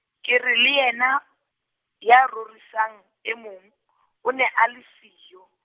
ke re le yena, ya rorisang e mong , o ne a le siyo.